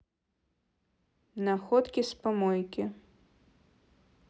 находки с помойки